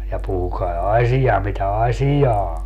ja puhukaa asia mitä asiaa on